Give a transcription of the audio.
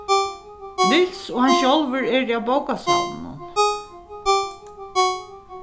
niels og hann sjálvur eru á bókasavninum